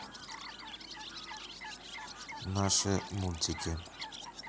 наши мультики